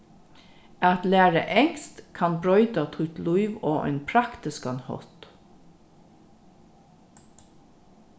at læra enskt kann broyta títt lív á ein praktiskan hátt